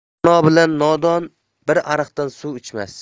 dono bilan nodon bir buloqdan suv ichmas